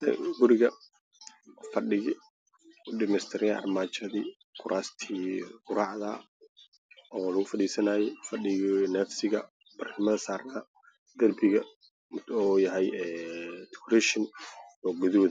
Meeshan waa qol waxay la fadhi boqortooyo oo ka sameysan dahab iyo kuraas iyo armaajo